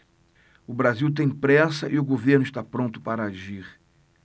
o brasil tem pressa e o governo está pronto para agir